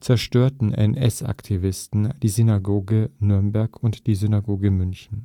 zerstörten NS-Aktivisten die Synagoge Nürnberg und die Synagoge München